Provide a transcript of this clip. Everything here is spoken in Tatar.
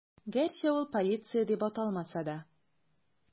Гәрчә ул полиция дип аталмаса да.